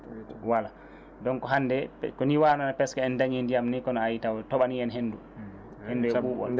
voilà donc hannde ko ni waawno par ce que en dañi ndiyam ni kono ayi toɓani hen henndu e ɓuuɓol